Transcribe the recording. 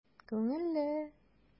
Күңелле!